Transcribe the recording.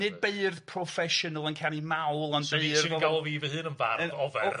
Nid beirdd proffesiynol yn canu mawl ond beirdd... So nes i'n galw fi fy hun yn bardd ofer.